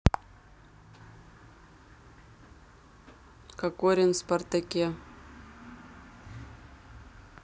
кокорин в спартаке